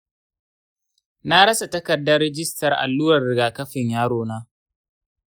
na rasa takardar rajistar allurar rigakafin yarona.